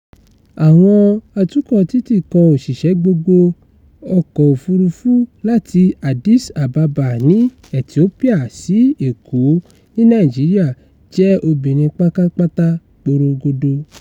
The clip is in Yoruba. Awọn atukọ̀ títí kan òṣìṣẹ́ gbogbo, ọkọ̀ òfuurufú láti Addis Ababa ní Ethiopia sí Èkó ní Nàìjíríà — jẹ́ obìnrin pátápátá porongodo.